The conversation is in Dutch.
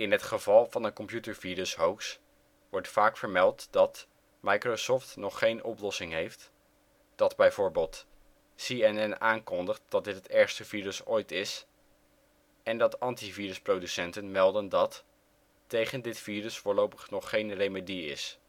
het geval van een computervirus-hoax wordt vaak vermeld dat " Microsoft nog geen oplossing heeft ", dat bijvoorbeeld " CNN aankondigt dat dit het ergste virus ooit is " en dat antivirusproducenten melden dat " tegen dit virus voorlopig nog geen remedie is